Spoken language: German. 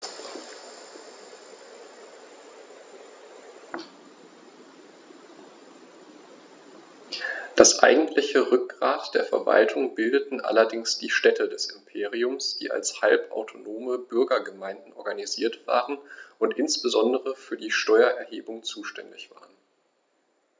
Das eigentliche Rückgrat der Verwaltung bildeten allerdings die Städte des Imperiums, die als halbautonome Bürgergemeinden organisiert waren und insbesondere für die Steuererhebung zuständig waren.